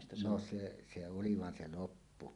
no se se oli vaan se loppu